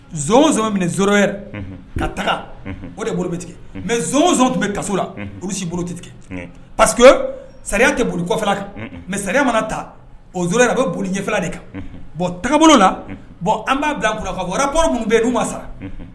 Minɛo ka taga o de bolo bɛ tigɛ mɛ tun bɛ kasiso la olu si bolo tigɛ tigɛ pa que sariya tɛ boli kɔfɛ kan mɛ sariya mana ta o a bɛ boli ɲɛfɛ de kan bon tala bɔn an b'a bila kun ka wɛrɛ baro minnu bɛ n' ma sara